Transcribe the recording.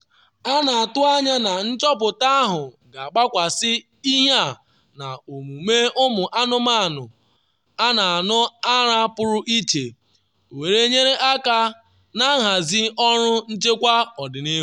A na-atụ anya na nchọpụta ahụ ga-agbakwasa ihie na omume ụmụ-anụmanụ a na-anụ ara pụrụ iche were nyere aka n’ihazi ọrụ nchekwa ọdịnihu.